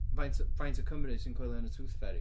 Faint faint o Cymry sy'n coelio yn y tooth fairy?